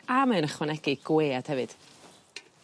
A mae o'n ychwanegu gwead hefyd.